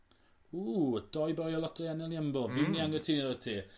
Ww doi boi o Lotto En El Jumbo... Hmm. ...fi myn' i anghytuno 'da ti.